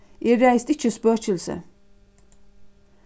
eg ræðist ikki spøkilsi